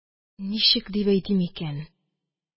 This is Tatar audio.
Ничек дип әйтим икән.